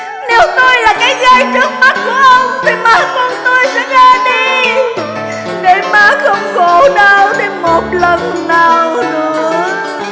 nếu tôi là cái gai trước mắt của ông thì má con tôi sẽ ra đi để má không khổ đau thêm một lần nào nữa